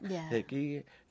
thì